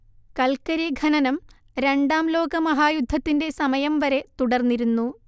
കൽക്കരി ഖനനം രണ്ടാം ലോകമഹായുദ്ധത്തിന്റെ സമയം വരെ തുടർന്നിരുന്നു